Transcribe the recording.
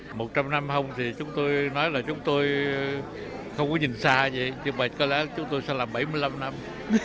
một trăm năm hông thì chúng tôi nói là chúng tôi không có nhìn xa vậy nhưng mà có lẽ chúng tôi sẽ là bảy mươi lăm năm